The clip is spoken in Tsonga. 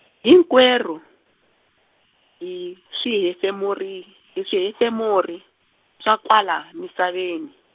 hinkwerhu, hi swihefemuri, hi swihefemuri, swa kwala misaveni.